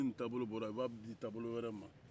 ni nin taabolo bɔra yen u b'a di taabolo wɛrɛ ma